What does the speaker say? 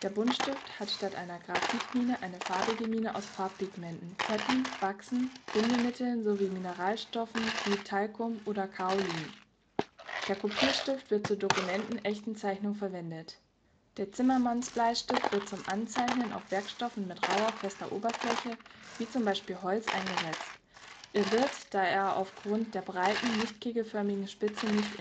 Buntstift hat statt einer Graphitmine eine farbige Mine aus Farbpigmenten, Fetten, Wachsen, Bindemitteln sowie Mineralstoffen wie Talkum oder Kaolin. Der Kopierstift wird zur dokumentenechten Zeichnung verwendet. Der Zimmermannsbleistift wird zum Anzeichnen auf Werkstoffen mit rauer, fester Oberfläche wie zum Beispiel Holz eingesetzt. Er wird – da er aufgrund der breiten, nicht kegelförmigen Spitze nicht